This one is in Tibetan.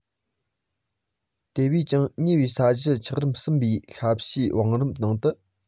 དེ བས ཀྱང ཉེ བའི ས གཞི ཆགས རིམ གསུམ པའི ས གཤིས བང རིམ ནང དུ